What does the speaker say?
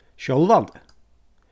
sjálvandi